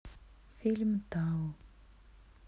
фильм тау